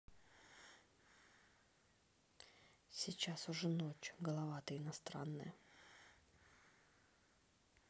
сейчас уже ночь голова ты иностранная